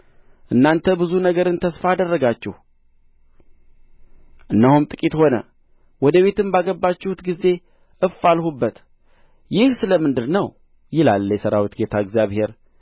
እናንተ ብዙ ነገርን ተስፋ አደረጋችሁ እነሆም ጥቂት ሆነ ወደ ቤትም ባገባችሁት ጊዜ እፍ አልሁበት ይህ ስለ ምንድር ነው ይላል የሠራዊት ጌታ እግዚአብሔር